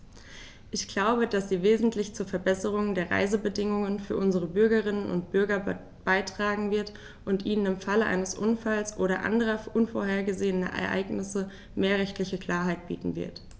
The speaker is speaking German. Ich glaube, dass sie wesentlich zur Verbesserung der Reisebedingungen für unsere Bürgerinnen und Bürger beitragen wird, und ihnen im Falle eines Unfalls oder anderer unvorhergesehener Ereignisse mehr rechtliche Klarheit bieten wird.